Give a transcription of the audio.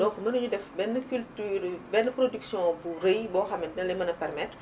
donc mënuñu def benn culture benn production bu rëy boo xam ne dina leen mën a permettre